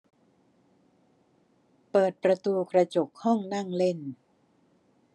เปิดประตูกระจกห้องนั่งเล่น